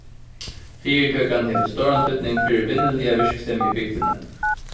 fyritøkan hevur stóran týdning fyri vinnuliga virksemið í bygdini